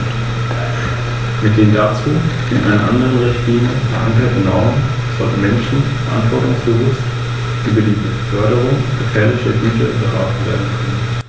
Ein Nichttätigwerden der Europäischen Union würde die Mitgliedstaten verpflichten, ihre innerstaatlichen Rechtsvorschriften für einen kurzen Zeitraum, nämlich bis zum Abschluss der Arbeiten des CEN, zu ändern, was unnötige Kosten und Verunsicherungen verursacht.